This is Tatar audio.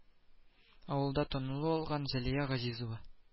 Авылда танылу алган зәлия газизова